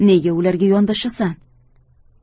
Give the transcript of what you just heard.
nega ularga yondashasan